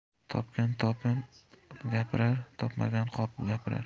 topgan topib gapirar topmagan qopib gapirar